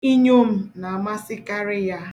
Inyom na-amasịkarị ya.